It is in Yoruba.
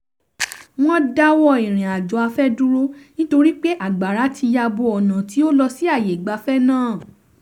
Wọ́n dáwọ́ ìrìn-àjò afẹ́ dúró nítorí pé àgbàrá ti ya bo ọ̀nà tí ó lọ sí àyè ìgbafẹ́ náà.